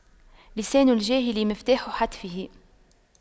لسان الجاهل مفتاح حتفه